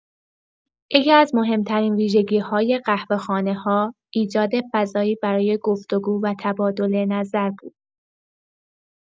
یکی‌از مهم‌ترین ویژگی‌های قهوه‌خانه‌ها، ایجاد فضایی برای گفت‌وگو و تبادل‌نظر بود.